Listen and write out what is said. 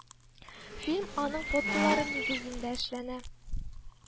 Фильм аның фотолары нигезендә эшләнә